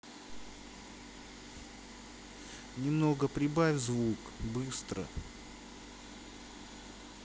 немного прибавь звук быстро